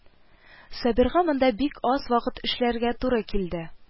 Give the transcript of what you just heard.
Сабирга монда бик аз вакыт эшләргә туры килде